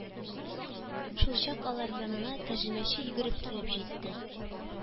Шулчак алар янына тәрҗемәче йөгереп килеп җитте.